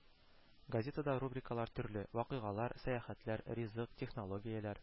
Газетада рубрикалар төрле: “Вакыйгалар”, “Сәяхәтләр”, “Ризык”, “Технологияләр”